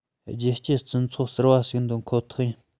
རྒྱལ སྤྱིའི སྤྱི ཚོགས གསར པ ཞིག འདོན ཁོ ཐག ཆོད